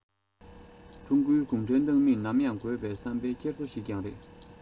ཀྲུང གོའི གུང ཁྲན ཏང མིར ནམ ཡང དགོས པའི བསམ པའི འཁྱེར སོ ཞིག ཀྱང རེད